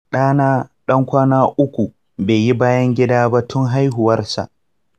ɗana ɗan kwana uku bai yi bayan gida ba tun haihuwarsa.